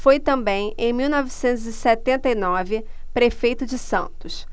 foi também em mil novecentos e setenta e nove prefeito de santos